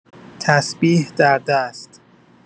تسبیح در دست